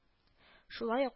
Шулай ук к